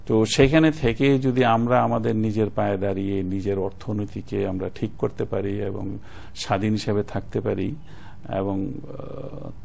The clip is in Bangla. তো সেখানে থেকে যদি আমরা আমাদের নিজের পায়ে দাঁড়িয়ে নিজের অর্থনীতিকে আমরা ঠিক করতে পারি এবং স্বাধীন হিসেবে থাকতে পারি এবং